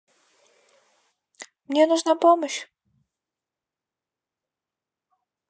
мне нужна помощь